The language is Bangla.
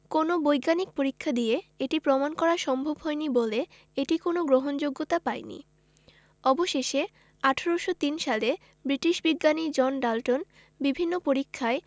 কোনো বৈজ্ঞানিক পরীক্ষা দিয়ে এটি প্রমাণ করা সম্ভব হয়নি বলে এটি কোনো গ্রহণযোগ্যতা পায়নি অবশেষে ১৮০৩ সালে ব্রিটিশ বিজ্ঞানী জন ডাল্টন বিভিন্ন পরীক্ষায়